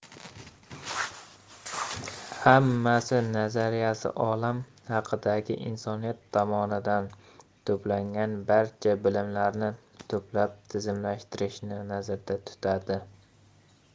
hammasi nazariyasi olam haqidagi insoniyat tomonidan to'plangan barcha bilimlarni to'plab tizimlashtirishni nazarda tutadi